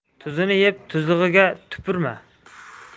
tuzini yeb tuzlig'iga tupurma